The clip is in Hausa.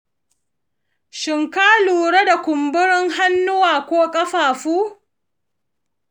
shin ka lura da kumburin hannuwa ko ƙafafu?